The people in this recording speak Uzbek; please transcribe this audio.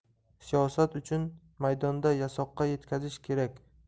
siyosat uchun maydonda yasoqqa yetkazish kerak